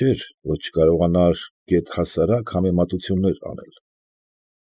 Չէր, որ չկարողանար գեթ հասարակ համեմատություններ անել։